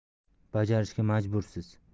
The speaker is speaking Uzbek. bajarishga majbursiz